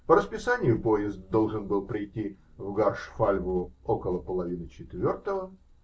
По расписанию поезд должен был прийти в Гаршфальву около половины четвертого.